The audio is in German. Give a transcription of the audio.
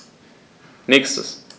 Nächstes.